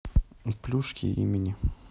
плюшки имени